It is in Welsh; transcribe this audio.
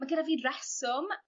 ma' gynne fi reswm